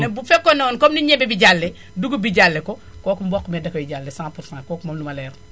ne bu fekkoon ne woon comme ni ñebe bi jàllee dugub bi jàllee ko kooku mboq mi it dakoy jàllee cent pour cent kooku moom lu ma leer la